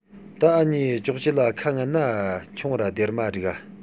ད ངུ གཉིས ཀས ཅོག ཅེ ལ ཁ སྔན ན ཆུང ར སྡེར མ སྒྲིག ར